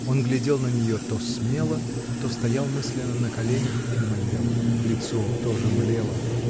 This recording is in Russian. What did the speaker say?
он глядел на нее то смело, то стоял мысленно на коленях и млел, лицо тоже млело.